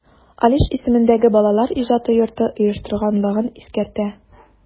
Алиш исемендәге Балалар иҗаты йорты оештырганлыгын искәртә.